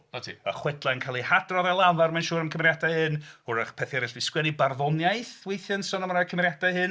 'Na ti... Y chwedlau'n cael eu hadrodd ar lafar mae'n siŵr am cymeriadau hyn hwyrach pethau eraill 'di sgwennu, barddoniaeth weithiau yn sôn am rhai o cymeriadau hyn.